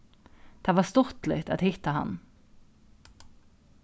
tað var stuttligt at hitta hann